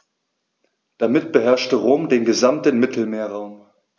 Damit beherrschte Rom den gesamten Mittelmeerraum.